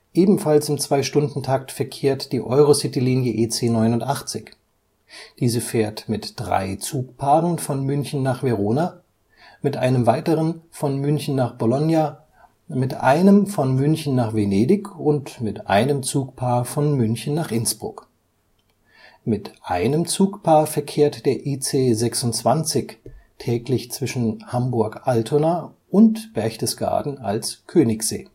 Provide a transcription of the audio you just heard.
Ebenfalls im Zweistundentakt verkehrt die Eurocitylinie EC 89. Diese fährt mit drei Zugpaaren von München nach Verona, mit einem weiteren von München nach Bologna, mit einem von München nach Venedig und einem Zugpaar von München nach Innsbruck. Mit einem Zugpaar verkehrt der IC 26 täglich zwischen Hamburg-Altona} und Berchtesgaden als Königssee